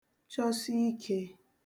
chọsiikē